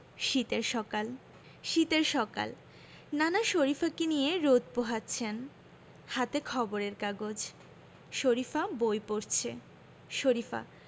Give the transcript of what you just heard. শীতের সকাল শীতের সকাল নানা শরিফাকে নিয়ে রোদ পোহাচ্ছেন হাতে খবরের কাগজ শরিফা বই পড়ছে শরিফা